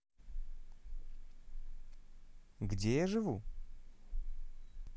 где я живу